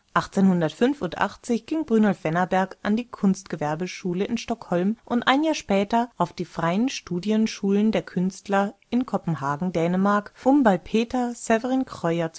1885 ging Brynolf Wennerberg an die Kunstgewerbeschule in Stockholm und ein Jahr später auf die Kunstnernes Frie Studieskoler (die freien Studienschulen der Künstler) in Kopenhagen/Dänemark, um bei Peder Severin Krøyer